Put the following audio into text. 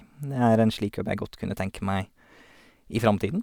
Det er en slik jobb jeg godt kunne tenke meg i framtiden.